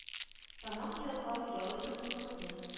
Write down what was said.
Тамак ялгау, ял итү онытылды